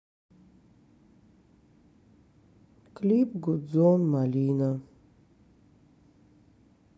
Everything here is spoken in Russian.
клип гудзон малина